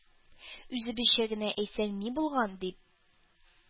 Үзебезчә генә әйтсәң ни булган? - дип,